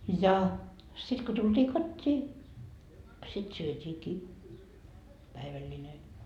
ja sitten kun tultiin kotiin sitten syötiinkin päivällinen